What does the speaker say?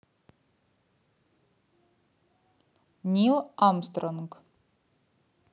нил армстронг